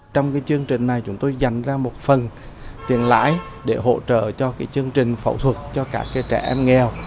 trong cái chương trình này chúng tôi dành ra một phần tiền lãi để hỗ trợ cho các chương trình phẫu thuật cho cả trẻ em nghèo